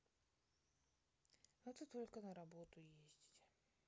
это только на работу ездить